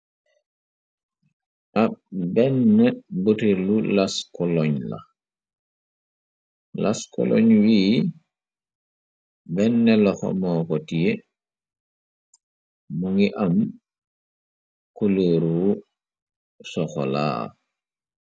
Ab benn butir lu las koloñ la las koloñ wii benn laxo moo kote ma ngi am kuleeru soxolaa.